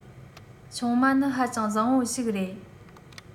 ཆུང མ ནི ཧ ཅང བཟང བོ ཞིག རེད